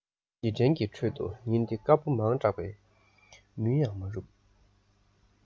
རྗེས དྲན གྱི ཁྲོད དུ ཉིན དེ དཀར པོ མང དྲགས པས མུན ཡང མ རུབ